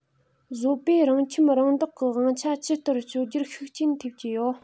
བཟོ པས རང ཁྱིམ རང བདག གི དབང ཆ ཇི ལྟར སྤྱོད རྒྱུར ཤུགས རྐྱེན ཐེབས ཀྱི ཡོད